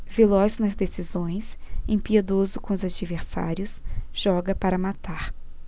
veloz nas decisões impiedoso com os adversários joga para matar